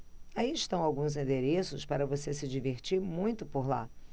aí estão alguns endereços para você se divertir muito por lá